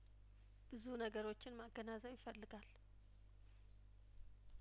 ብዙ ነገሮችን ማገናዘብ ይፈልጋል